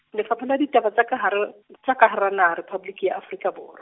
Lefapha la Ditaba tsa ka Hara , tsa a Hara Naha Rephaboliki ya Afrika Borw-.